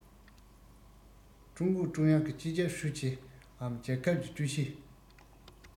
ཀྲུང གུང ཀྲུང དབྱང གི སྤྱི ཁྱབ ཧྲུའུ ཅིའམ རྒྱལ ཁབ ཀྱི ཀྲུའུ ཞི